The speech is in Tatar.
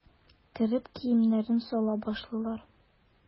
Кереп киемнәрен сала башлыйлар.